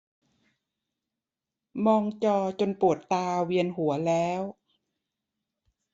มองจอจนปวดตาเวียนหัวแล้ว